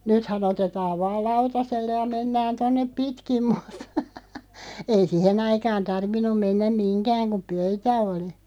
nythän otetaan vain lautaselle ja mennään tuonne pitkin mutta ei siihen aikaan tarvinnut mennä mihinkään kun pöytä oli